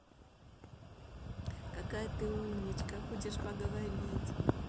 какая ты умничка хочешь поговорить